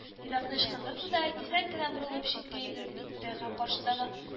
Китапны ычкындырды да, кисәк кенә борылып, читкә йөгереп китте һәм каршыдагы